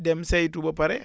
dem saytu ba pare